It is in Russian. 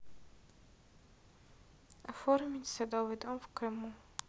оформить садовый дом в крыму